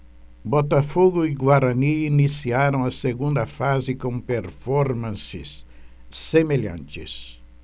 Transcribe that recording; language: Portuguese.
botafogo e guarani iniciaram a segunda fase com performances semelhantes